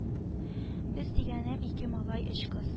Без дигәнем ике малай өч кыз